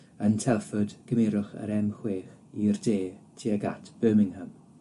Yn Telford gymerwch yr em chwech i'r de tuag at Birmingham.